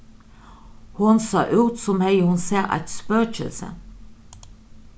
hon sá út sum hevði hon sæð eitt spøkilsi